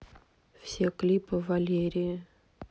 все клипы валерии